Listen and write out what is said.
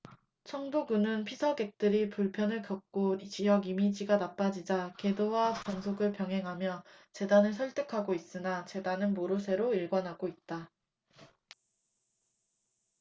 청도군은 피서객들이 불편을 겪고 지역 이미지가 나빠지자 계도와 단속을 병행하면서 재단을 설득하고 있으나 재단은 모르쇠로 일관하고 있다